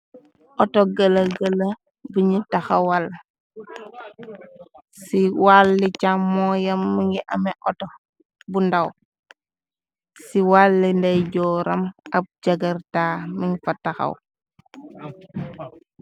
Oohtoh gehla gehla bu nju takhawal, cii waali chaamongh njam mungy ameh oohtoh bu ndaw, cii waali ndeyjorram ahb jagartaaah mung fa takhaw.